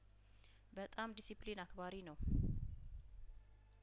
በጣም ዲሲፕሊን አክባሪ ነው